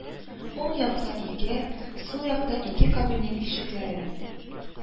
Уң якта ике, сул якта ике кабинет ишекләре